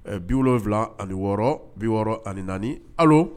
Biwula ani wɔɔrɔ bi wɔɔrɔ ani naani ala